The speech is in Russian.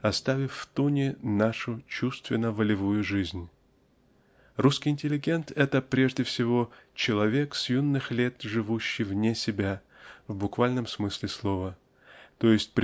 оставив втуне нашу чувственно-волевую жизнь. Русский интеллигент -- это прежде всего человек с юных лет живущий вне себя в буквальном смысле слова т. е.